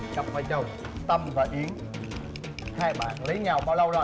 cặp vợ chồng tâm và yến hai bạn lấy nhau bao lâu rồi